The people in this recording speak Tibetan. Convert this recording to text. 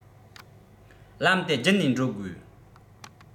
ལམ དེ བརྒྱུད ནས འགྲོ དགོས